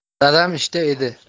dadam ishda edi